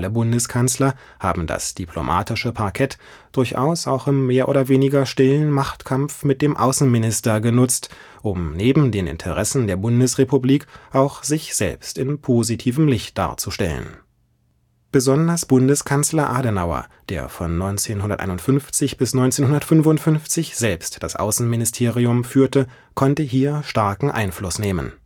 Bundeskanzler haben das diplomatische Parkett – durchaus auch im mehr oder weniger stillen Machtkampf mit dem Außenminister – genutzt, um neben den Interessen der Bundesrepublik auch sich selbst in positivem Licht darzustellen. Besonders Bundeskanzler Adenauer, der von 1951 bis 1955 selbst das Außenministerium führte, konnte hier starken Einfluss nehmen